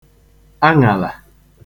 aṅàlà